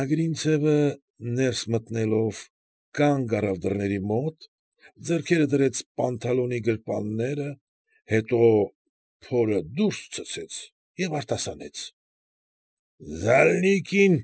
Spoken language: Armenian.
Ագրինցևը, ներս մտնելով, կանգ առավ դռների մոտ, ձեռքերը դրեց պանթալոնի գրպանները, հետո փորը դուրս ցցեց և արտասանեց. ֊ Ջալինկին։